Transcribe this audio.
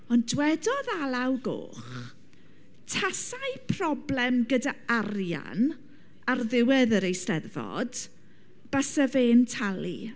Ond dywedodd Alaw Goch, tasai problem gyda arian ar ddiwedd yr eisteddfod, basai fe'n talu.